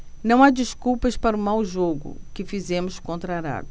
não há desculpas para o mau jogo que fizemos contra a arábia